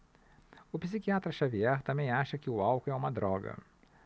o psiquiatra dartiu xavier também acha que o álcool é uma droga